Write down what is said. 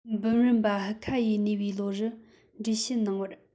འབུམ རམས པ ཧུ ཁ ཡིས ཉེ བའི ལོ རུ འགྲེལ བཤད གནང བར